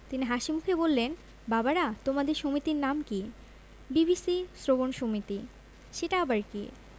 তিনি হাসিমুখে বললেন বাবারা তোমাদের সমিতির নাম কি বিবিসি শ্রবণ সমিতি সেটা আবার কি